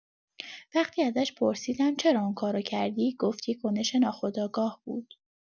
وقتی ازش پرسیدم چرا اون کارو کردی، گفت یه کنش ناخودآگاه بود.